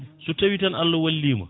so tawi tan Allah wallimo